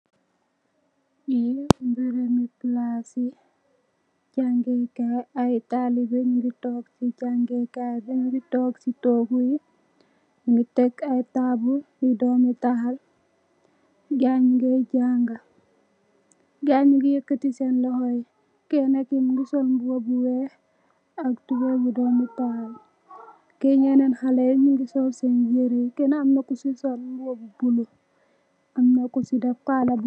Fi mbèreèm mu palaas ci jàngeekaay ay talibè nungi toog ci jangeekaay bi nungi toog ci toogu yi. Nungi tekk ay taabul yu doomital guy nung ngè jànga. Guy nungi yëkati senn loho yi. Kenna ki mungi sol mbuba bu weeh ak tubeye bu doomital . Ki yenen haley nungi sol senn yiré, kina amna ku ci sol mbuba bu bulo, amna ku ci deff kala bu.